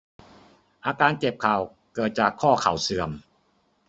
อาการเจ็บเข่าเกิดจากข้อเข่าเสื่อม